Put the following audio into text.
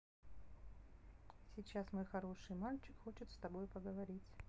сейчас мой хороший мальчик хочет с тобой поговорить